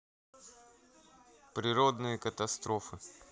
природные катастрофы